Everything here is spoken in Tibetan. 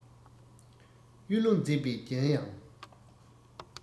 གཡུ ལོ མཛེས པས བརྒྱན ཡང